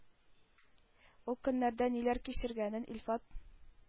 Ул көннәрдә ниләр кичергәнен Илфат